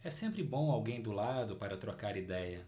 é sempre bom alguém do lado para trocar idéia